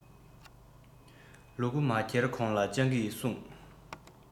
ལུ གུ མ འཁྱེར གོང ལ སྤྱང ཀི སྲུངས